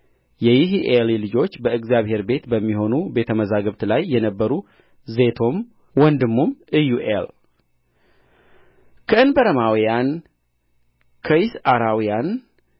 የይሒኤሊ ልጆች በእግዚአሔር ቤት በሚሆኑ ቤተ መዛግብት ላይ የነበሩ ዜቶም ወንድሙም ኢዩኤል ከእንበረማውያን ከይስዓራውያን